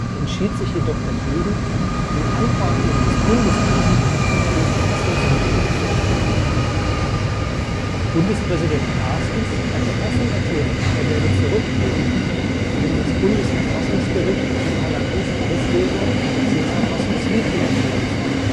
entschied sich dennoch dagegen, die Anordnung des Bundespräsidenten für verfassungswidrig zu erklären. Bundespräsident Carstens hatte offen erklärt, er werde zurücktreten, wenn das Bundesverfassungsgericht die Parlamentsauflösung für verfassungswidrig erklären sollte